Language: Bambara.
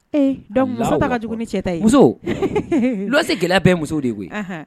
Dɔnku ka jugu ni cɛ ta muso tɛ gɛlɛya bɛɛ muso de koyi